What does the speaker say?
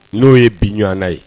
N'o ye biɲna ye